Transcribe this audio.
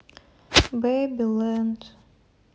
бэби лэнд